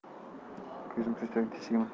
ko'zmi po'stakning teshigimi